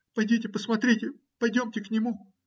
- Подите, посмотрите. Пойдемте к нему.